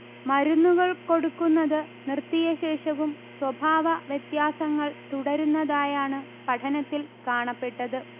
മരുന്നുകൾ കൊടുക്കുന്നത് നിർത്തിയശേഷവും സ്വഭാവവ്യത്യാസങ്ങൾ തുടരുന്നതായാണ് പഠനത്തിൽ കാണപ്പെട്ടത്